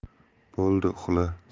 bo'ldi uxla